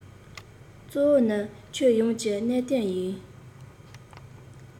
གཙོ བོ ནི ཁྱོན ཡོངས ཀྱི གནད དོན ཡིན